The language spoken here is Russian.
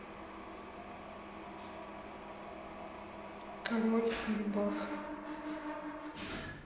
король рыбак